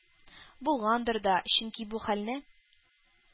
Булгандыр да, чөнки бу хәлне